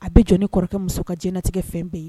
A bɛ jɔ kɔrɔkɛ muso ka diɲɛtigɛ fɛn bɛɛ yen